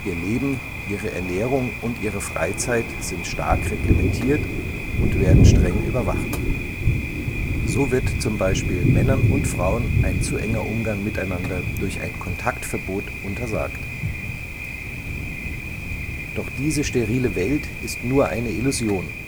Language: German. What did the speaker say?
Leben, ihre Ernährung und ihre Freizeit sind stark reglementiert und werden streng überwacht. So wird zum Beispiel Männern und Frauen ein zu enger Umgang miteinander durch ein Kontaktverbot untersagt. Doch diese sterile Welt ist nur eine Illusion